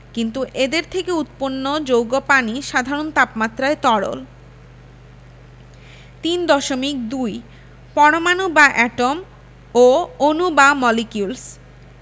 কিন্তু এদের থেকে উৎপন্ন যৌগ পানি সাধারণ তাপমাত্রায় তরল ৩.২ পরমাণু বা এটম ও অণু বা মলিকিউলস